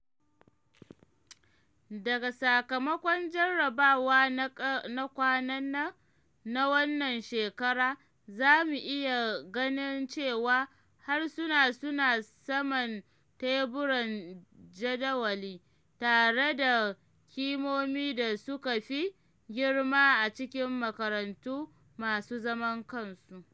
Daga sakamakon jarrabawa na kwanan nan na wannan shekara, za mu iya ganin cewa harsuna suna saman teburan jaddawali tare da kimomi da suka fi girma a cikin makarantu masu zaman kansu.